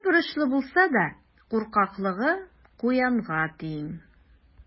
Теле борычлы булса да, куркаклыгы куянга тиң.